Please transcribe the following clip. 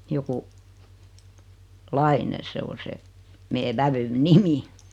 joku Laine se on se meidän vävyn nimi